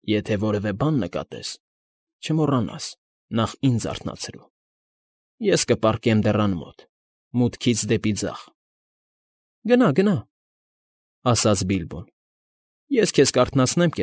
Եթե որևէ բան նկատես, չմոռանաս, նախ ինձ արթնացրու…Ես կպառկեմ դռան մոտ, մուտքից դեպի ձախ։ ֊ Գնա, գնա,֊ ասաց Բիլբոն։֊ Ես քեզ կարթնացնեմ։